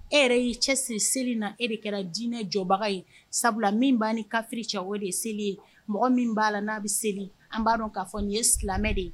E yɛrɛ y yei cɛ siri seli na e de kɛra diinɛ jɔbaga ye sabula min' ni kafiri cɛ o de ye seli ye mɔgɔ min b'a la n'a bɛ seli an b'a dɔn k'a fɔ nin ye silamɛ de ye